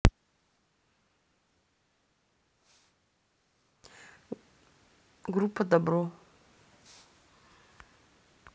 группа добро